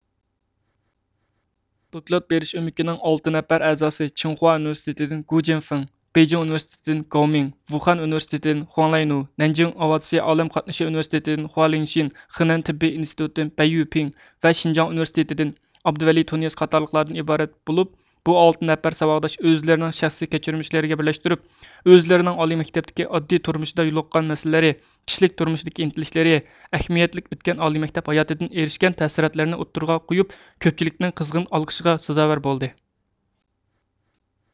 دوكلات بېرىش ئۆمىكىنىڭ ئالتە نەپەر ئەزاسى چىڭخۇا ئۇنىۋېرسىتېتىدىن گۇجېنفېڭ بېيجىڭ ئۇنىۋېرسىتېتىدىن گاۋمىڭ ۋۇخەن ئۇنىۋېرسىتېتىدىن خۇاڭلەينۈ نەنجىڭ ئاۋىئاتسىيە ئالەم قاتنىشى ئۇنىۋېرسىتېتىدىن خۇلېڭشىن خېنەن تېببىي ئىنستىتۇتىدىن بەييۈپىڭ ۋە شىنجاڭ ئۇنىۋېرسىتېتىدىن ئابدۇۋەلى تۇنىياز قاتارلىقلاردىن ئىبارەت بولۇپ بۇ ئالتە نەپەر ساۋاقداش ئۆزلىرىنىڭ شەخسىي كەچۈرمىشلىرىگە بىرلەشتۈرۈپ ئۆزلىرىنىڭ ئالىي مەكتەپتىكى ئاددىي تۇرمۇشىدا يولۇققان مەسىلىلىرى كىشىلىك تۇرمۇشىدىكى ئىنتىلىشلىرى ئەھمىيەتلىك ئۆتكەن ئالىي مەكتەپ ھاياتىدىن ئېرىشكەن تەسىراتلىرىنى ئوتتۇرىغا قويۇپ كۆپچىلىكنىڭ قىزغىن ئالقىشىغا سازاۋەر بولدى